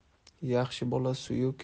yaxshi bola suyuk